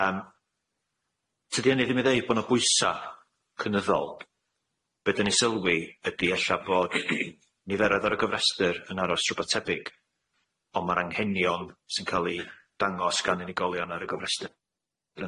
Yym tydi 'ynny ddim i ddeud bo 'na bwysa cynyddol be' 'dan ni sylwi ydi ella bo niferoedd ar y gofrestyr yn aros rwbath tebyg on' ma'r anghenion sy'n ca'l 'i dangos gan unigolion ar y gofrestyr